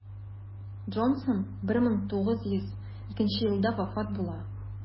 Джонсон 1902 елда вафат була.